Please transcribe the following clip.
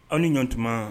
Aw ni ɲɔ tuma